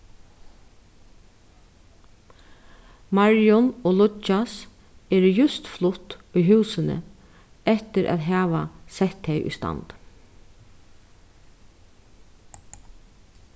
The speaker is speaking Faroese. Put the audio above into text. marjun og líggjas eru júst flutt í húsini eftir at hava sett tey í stand